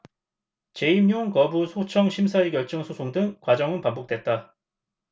재임용 거부 소청 심사위 결정 소송 등 과정은 반복됐다